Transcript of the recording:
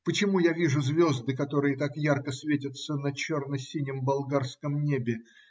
Почему я вижу звезды, которые так ярко светятся на черно-синем болгарском небе?